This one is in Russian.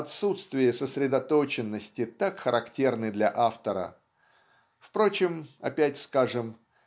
отсутствие сосредоточенности так характерны для автора. Впрочем, опять скажем